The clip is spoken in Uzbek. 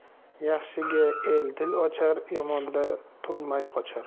yaxshiga el dil ochar yomondan turmay qochar